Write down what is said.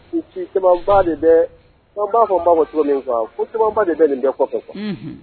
' fɔ ba cogo min de bɛ nin bɛɛ kɔfɛ